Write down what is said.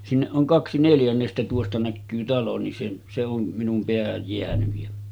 sinne on kaksi neljännestä tuosta näkyy talo niin se se on minun päähän jäänyt ja